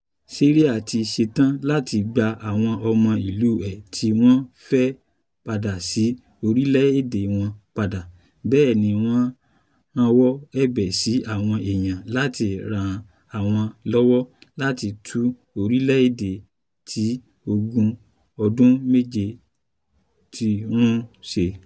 Syria ti ṣetán láti gba àwọn ọmọ ìlú e tí wọ́n fẹ́ padà sí orílẹ̀-èdè wọn padà. Bẹ́ẹ̀ ni wọ́n rawọ́ ẹ̀bẹ̀ sí àwọn èèyàn láti ran àwọn lọ́wọ́ láti tún orílẹ̀-èdè tí ogun ọdún méje t run ṣe.